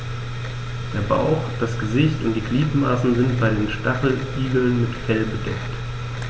Der Bauch, das Gesicht und die Gliedmaßen sind bei den Stacheligeln mit Fell bedeckt.